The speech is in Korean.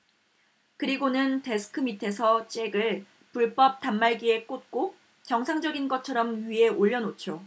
그리고는 데스크 밑에서 잭을 불법 단말기에 꽂고 정상적인 것처럼 위에 올려놓죠